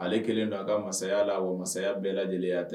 Ale kɛlen don a ka mansa masaya la wa mansaya bɛɛ lajɛlen tɛ